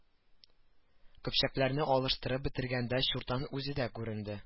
Көпчәкләрне алыштырып бетергәндә чуртан үзе дә күренде